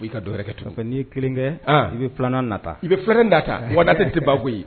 I wili ka dɔwɛrɛ kɛ, n'i ye 1 kɛ i bɛ 2nan nata